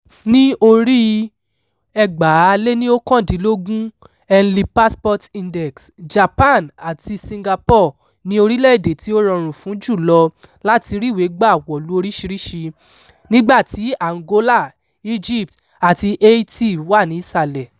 Ní oríi 2019 Henley Passport Index, Japan àti Singapore ni orílẹ̀-èdè tí ó rọrùn fún jù lọ láti ríwèé gbà wọ̀lú oríṣìíríṣi, nígbàtí Angola, Egypt àti Haiti wà ní ìsàlẹ̀.